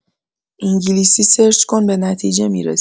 انگلیسی سرچ کن به نتیجه می‌رسی.